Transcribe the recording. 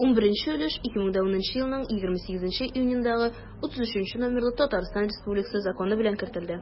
11 өлеш 2010 елның 28 июнендәге 33-трз номерлы татарстан республикасы законы белән кертелде.